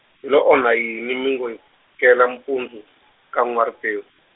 hi lo onha yini mi ngo hi pfukela mpundzu, ka N'wa-Ripewu?